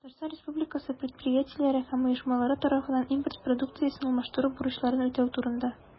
Татарстан Республикасы предприятиеләре һәм оешмалары тарафыннан импорт продукциясен алмаштыру бурычларын үтәү турында.